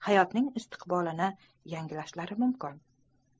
hayotning istiqbolini yangilashlari mumkin